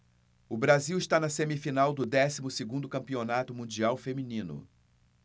o brasil está na semifinal do décimo segundo campeonato mundial feminino